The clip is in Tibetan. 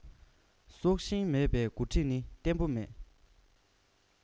སྲོག ཤིང མེད པའི འགོ ཁྲིད ནི བརྟན པོ མེད